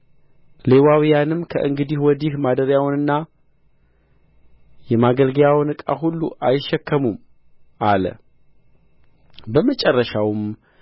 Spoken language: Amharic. ሌዋውያንም ከእንግዲህ ወዲህ ማደሪያውንና የማገልገያውን ዕቃ ሁሉ አይሸከሙም አለ በመጨረሻውም